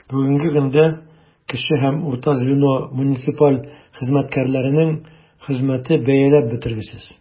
Бүгенге көндә кече һәм урта звено муниципаль хезмәткәрләренең хезмәте бәяләп бетергесез.